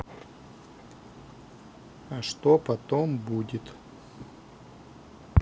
а что потом будет